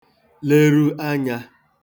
leru anyā